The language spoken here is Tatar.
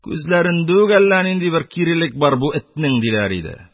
Күзләрендә әллә нинди бер кирелек бар бу этнең... - диләр иде.